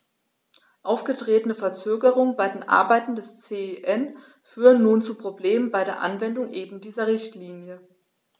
Aufgetretene Verzögerungen bei den Arbeiten des CEN führen nun zu Problemen bei der Anwendung eben dieser Richtlinie.